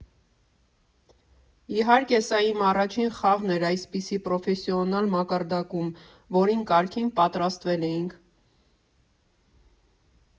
Իհարկե, սա իմ առաջին խաղն էր այսպիսի պրոֆեսիոնալ մակարդակում, որին կարգին պատրաստվել էինք։